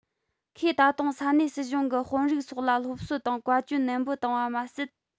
ཁོས ད དུང ས གནས སྲིད གཞུང གི དཔོན རིགས སོགས ལ སློབ གསོ དང བཀའ བཀྱོན ནན པོ བཏང བ མ ཟད